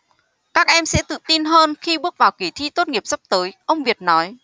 các em sẽ tự tin hơn khi bước vào kỳ thi tốt nghiệp sắp tới ông việt nói